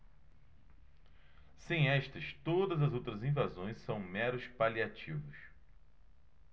sem estas todas as outras invasões são meros paliativos